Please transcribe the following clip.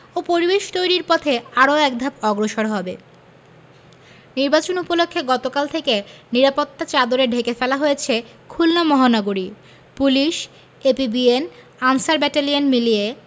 ও পরিবেশ তৈরির পথে আরো একধাপ অগ্রসর হবে নির্বাচন উপলক্ষে গতকাল থেকে নিরাপত্তার চাদরে ঢেকে ফেলা হয়েছে খুলনা মহানগরী পুলিশ এপিবিএন আনসার ব্যাটালিয়ন মিলিয়ে